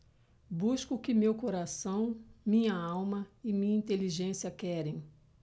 busco o que meu coração minha alma e minha inteligência querem